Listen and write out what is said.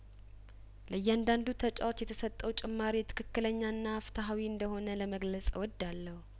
ለእያንዳንዱ ተጫዋች የተሰጠው ጭማሬ ትክክለኛና ፍትሀዊ እንደሆነ ለመግለጽ እወዳለሁ